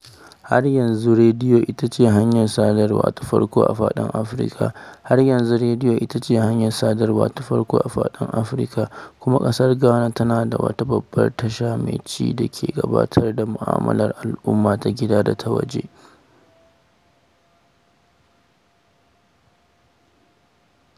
Har yanzu rediyo ita ce hanyar sadarwa ta farko a faɗin Afirka, Har yanzu rediyo ita ce hanyar sadarwa ta farko a faɗin Afirka, kuma ƙasar Ghana tana da wata babbar tasha mai ci da ke gabatar da mu’amalar al’umma ta gida da ta waje.